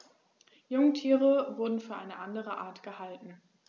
Jungtiere wurden für eine andere Art gehalten.